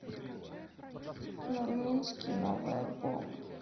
нурминский новый альбом